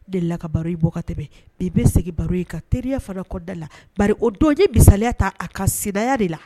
De la ka baro i bɔ ka tɛmɛ bi bɛ segin baro ka teriya fara kɔda la baro o dɔjɛ bisaya ta a ka sayaya de la